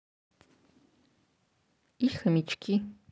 и хомячки